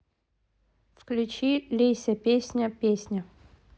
включи лейся песня песня